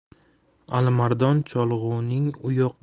alimardon cholg'uning u yoq